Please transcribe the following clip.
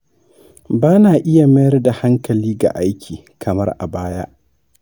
ba na iya mayar da hankali ga aiki kamar a baya.